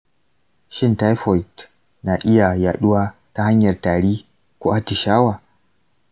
shin taifoid na iya yaduwa ta hanyar tari ko atishawa?